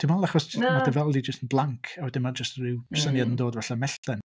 Dwi'n meddwl achos jyst... na. ...ma' dy feddwl 'di jyst yn blank a wedyn ma' jyst ryw... mm. ...syniad yn dod fatha mellten.